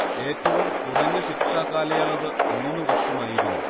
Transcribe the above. ഏറ്റവും കുറഞ്ഞ ശിക്ഷാ കാലയളവ് മൂന്നു വർഷമായിരുന്നു